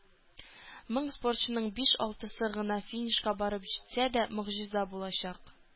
Мең спортчының биш-алтысы гына финишка барып җитсә дә, могҗиза булачак.